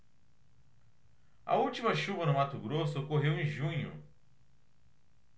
a última chuva no mato grosso ocorreu em junho